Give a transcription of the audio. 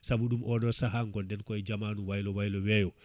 saabu ɗum oɗo saaha gonɗen koye jaamanu waylo waylo weeyo